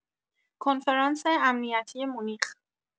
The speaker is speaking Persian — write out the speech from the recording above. کنفرانس امنیتی مونیخ